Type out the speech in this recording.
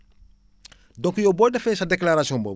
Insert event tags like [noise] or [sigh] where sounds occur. [smacks lips] donc yow boo defee sa déclaration boobu